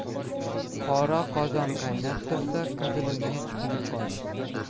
qora qozon qaynab tursa qizilo'ngach kuyib qolmas